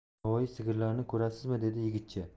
yovvoyi sigirlarni ko'rasizmi dedi yigitcha